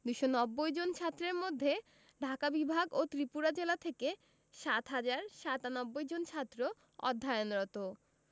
২৯০ জন ছাত্রের মধ্যে ঢাকা বিভাগ ও ত্রিপুরা জেলা থেকে ৭ হাজার ৯৭ জন ছাত্র অধ্যয়নরত